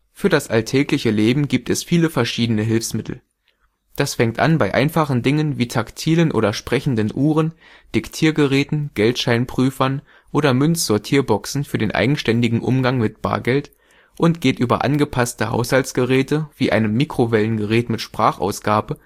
Für das alltägliche Leben gibt es viele verschiedene Hilfsmittel. Das fängt an bei einfachen Dingen wie taktilen oder sprechenden Uhren, Diktiergeräten, Geldscheinprüfern oder Münzsortierboxen für den eigenständigen Umgang mit Bargeld und geht über angepasste Haushaltsgeräte wie einem Mikrowellengerät mit Sprachausgabe